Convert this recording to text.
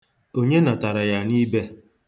Onye natara ya n'ibe?